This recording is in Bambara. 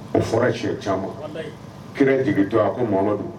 O fɔra cɛ caman kira jigin to a ko ma don